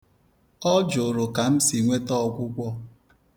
Ọ jụrụ ka m si nweta ọgwụgwọ.